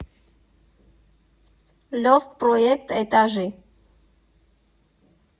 Լոֆթ Պռոեկտ Էտաժի։